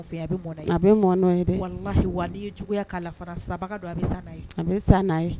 Wali